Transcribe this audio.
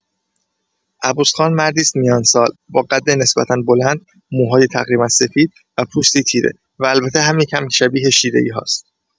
عبوس خان مردی است میان‌سال، با قد نسبتا بلند، موهای تقریبا سپید و پوستی تیره؛ و البته کمی هم شبیه شیره‌ای هاست.